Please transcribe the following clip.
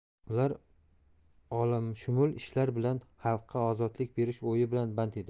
ular olamshumul ishlar bilan xalqqa ozodlik berish o'yi bilan band edilar